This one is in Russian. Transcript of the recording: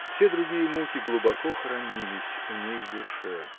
Все другие муки глубоко хоронились у ней в душе.